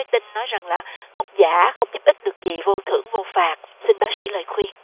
tin nói rằng là thuốc giả không giúp ích được gì vô thưởng vô phạt xin bác sĩ lời khuyên